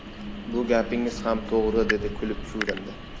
bu gapingiz ham to'g'ri dedi kulib chuvrindi